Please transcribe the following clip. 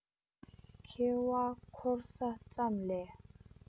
ཁེ བ འཁོར ས ཙམ ལས